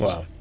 waaw